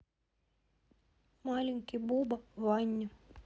маленький буба в ванне